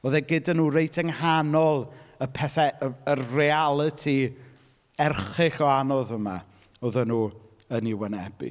Oedd e gyda nhw reit yng nghanol y pethe y y realiti erchyll o anodd yma oedden nhw yn ei wynebu.